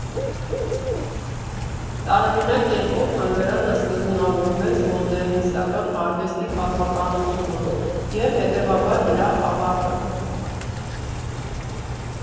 Տարօրինակ կերպով, թանգարանը սկզբնավորվեց մոդեռնիստական արվեստի պատմականացումը և, հետևաբար՝ դրա ավարտը։